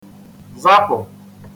-zapụ̀